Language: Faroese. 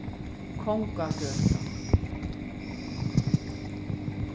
kongagøta